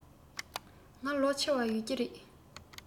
ང ལོ ཆེ བ ཡོད ཀྱི རེད